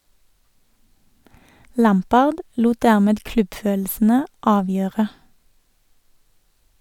Lampard lot dermed klubbfølelsene avgjøre.